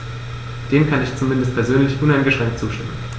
Dem kann ich zumindest persönlich uneingeschränkt zustimmen.